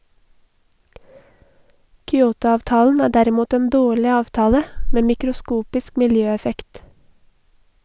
Kyotoavtalen er derimot en dårlig avtale , med mikroskopisk miljøeffekt.